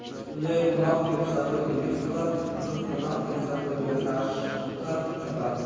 qutli qo'noq kelsa qo'y egiz tug'ar qutsiz qo'noq kelsa qo'yga qashqir chopar